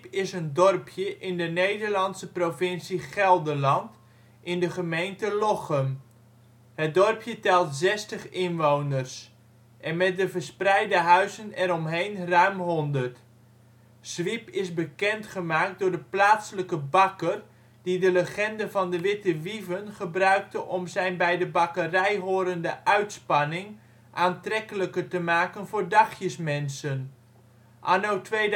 is een dorpje in de Nederlandse provincie Gelderland, in de gemeente Lochem. Het dorpje telt 60 inwoners (2006) en met de verspreide huizen eromheen ruim 100. Zwiep is bekend gemaakt door de plaatselijke bakker die de legende van de witte wieven gebruikte om zijn bij de bakkerij horende uitspanning aantrekkelijker te maken voor dagjesmensen. Anno 2008